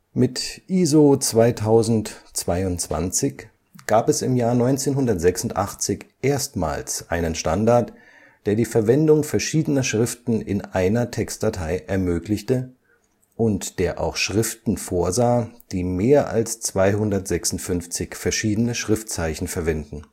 Mit ISO 2022 gab es im Jahr 1986 erstmals einen Standard, der die Verwendung verschiedener Schriften in einer Textdatei ermöglichte, und der auch Schriften vorsah, die mehr als 256 verschiedene Schriftzeichen verwenden